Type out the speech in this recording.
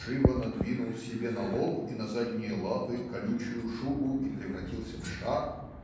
"живо надвинул себе на лоб и на задние лапы колючую шубу и превратился в шар"